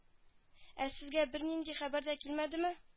Ә сезгә бернинди хәбәр дә килмәдеме